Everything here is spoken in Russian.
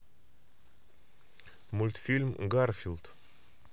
мультфильм гарфилд